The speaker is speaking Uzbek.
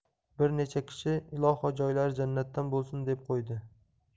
bir necha kishi iloho joylari jannatdan bo'lsin deb qo'ydi